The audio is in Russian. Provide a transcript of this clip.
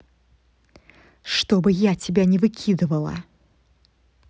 чтобы я тебя не выкидывала